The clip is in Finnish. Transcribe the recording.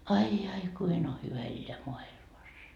ai ai kuinka on hyvä elää maailmassa